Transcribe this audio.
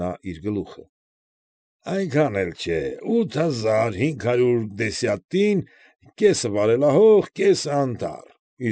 Նա իր գլուխը։ ֊ Այնքան էլ չէ, ութ հազար հինգ հարյուր դեսյատին, կեսը վարելահող, կեսը անտառ։